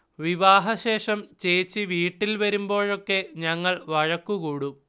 വിവാഹശേഷം ചേച്ചി വീട്ടിൽ വരുമ്പോഴൊക്കെ ഞങ്ങൾ വഴക്കുകൂടും